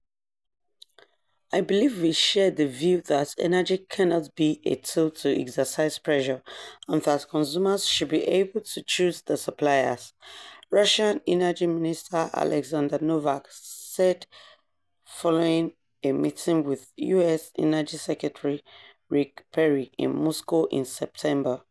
"I believe we share the view that energy cannot be a tool to exercise pressure and that consumers should be able to choose the suppliers," Russian Energy Minister Aleksandr Novak said following a meeting with US Energy Secretary Rick Perry in Moscow in September.